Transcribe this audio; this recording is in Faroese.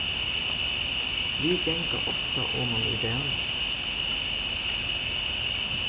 vit ganga ofta oman í dalin